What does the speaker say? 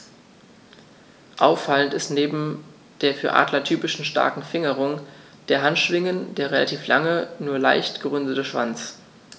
Auffallend ist neben der für Adler typischen starken Fingerung der Handschwingen der relativ lange, nur leicht gerundete Schwanz.